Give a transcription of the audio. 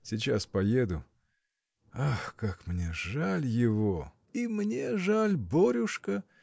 Сейчас поеду; ах, как мне жаль его! — И мне жаль, Борюшка.